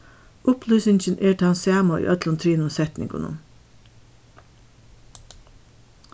upplýsingin er tann sama í øllum trimum setningunum